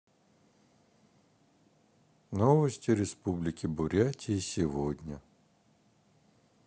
новости республики бурятии сегодня